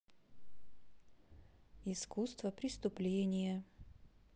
искусство преступления